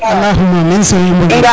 alakhou ma amiin sow i mbogin